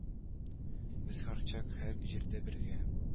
Без һәрчак һәр җирдә бергә